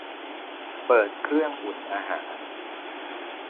เปิดเครื่องอุ่นอาหาร